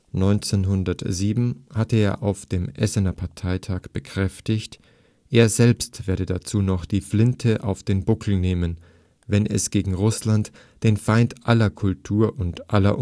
1907 hatte er auf dem Essener Parteitag bekräftigt, er selbst werde dazu noch „ die Flinte auf den Buckel nehmen “, wenn es gegen Russland, den „ Feind aller Kultur und aller